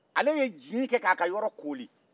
ale jin kɛ k'a ka yɔrɔ koli